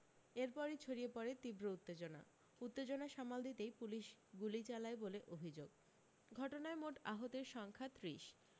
এরপরি ছড়িয়ে পড়ে তীব্র উত্তেজনা উত্তেজনা সামাল দিতেই পুলিশ গুলি চালায় বলে অভি্যোগ ঘটনায় মোট আহতের সংখ্যা ত্রিশ